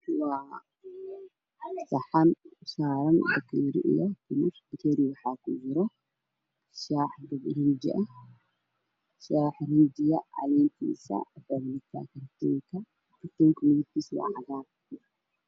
Waa saxan oo saaran bakeeri waxaa kujiro shaax rinji ah. Oo caleen ah bakeeriga midabkiisu waa cadaan.